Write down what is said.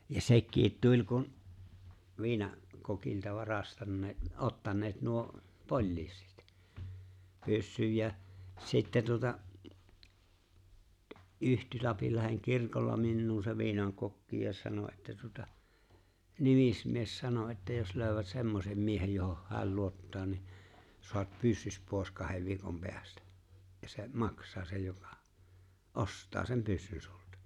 ja sekin tuli kun - viinakokilta varastaneet ottaneet nuo poliisit pyssyn ja sitten tuota yhtyi Lapinlahden kirkolla minuun se viinakokki ja sanoi että tuota nimismies sanoi että jos löytävät semmoisen miehen johon hän luottaa niin saat pyssysi pois kahden viikon päästä ja se maksaa se joka ostaa sen pyssyn sinulta